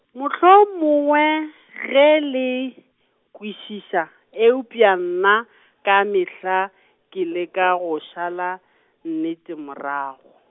mohlomongwe ge le, nkwešiša eupša nna, ka mehla, ke leka go šala, nnete morago.